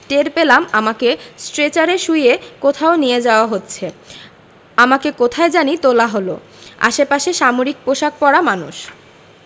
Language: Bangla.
টের পেলাম আমাকে স্ট্রেচারে শুইয়ে কোথাও নিয়ে যাওয়া হচ্ছে আমাকে কোথায় জানি তোলা হলো আশেপাশে সামরিক পোশাক পরা মানুষ